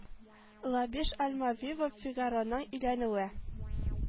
Лабиш альмавива фигароның өйләнүе